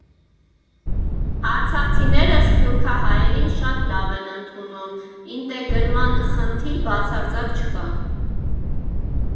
Արցախցիները սփյուռքահայերին շատ լավ են ընդունում, ինտեգրման խնդիր բացարձակ չկա։